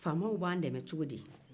faamaw b'an dɛmɛ cogo di